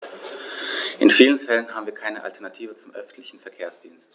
In vielen Fällen haben wir keine Alternative zum öffentlichen Verkehrsdienst.